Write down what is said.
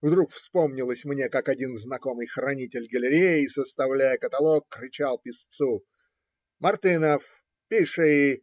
Вдруг вспомнилось мне, как один знакомый хранитель галереи, составляя каталог, кричал писцу - Мартынов, пиши!